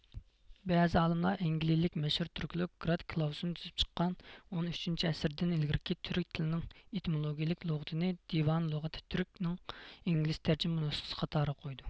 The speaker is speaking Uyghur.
بەزى ئالىملار ئەنگىلىيىلىك مەشھۇر تۈرۈكلوگ گېرارد كلاۋسون تۈزۈپ چىققان ئون ئۈچىنچى ئەسىردىن ئىلگىرىكى تۈرك تىلىنىڭ ئېتىمولوگىيىلىك لۇغىتى نى دىۋانۇ لۇغاتىت تۈرك نىڭ ئىنگلىزچە تەرجىمە نۇسخىسى قاتارىغا قويىدۇ